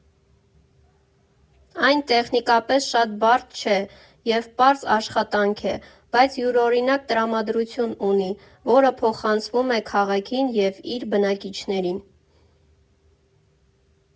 Այն տեխնիկապես շատ բարդ չէ և պարզ աշխատանք է, բայց յուրօրինակ տրամադրություն ունի, որը փոխանցվում է քաղաքին և իր բնակիչներին։